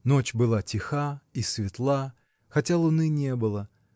Ночь была тиха и светла, хотя луны не было